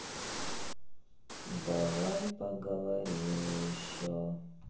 давай поговорим еще